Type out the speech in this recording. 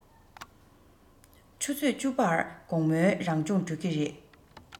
ཆུ ཚོད བཅུ པར དགོང མོའི རང སྦྱོང གྲོལ ཀྱི རེད